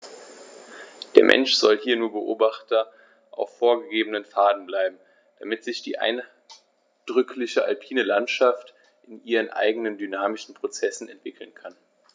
Der Mensch soll hier nur Beobachter auf vorgegebenen Pfaden bleiben, damit sich die eindrückliche alpine Landschaft in ihren eigenen dynamischen Prozessen entwickeln kann.